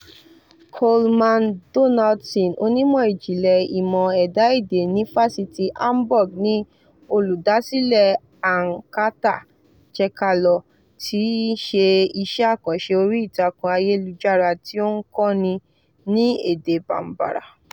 Coleman Donaldson, onímọ̀ ìjìnlẹ̀ ìmọ̀ ẹ̀dá èdè ní Fáṣítì Hamburg ni olùdásílẹ̀ An ka taa ("jẹ́ ká lọ") tíí ṣe iṣẹ́ àkànṣe orí ìtàkùn ayélujára tí ó ń kọ́ ni ní èdè Bambara.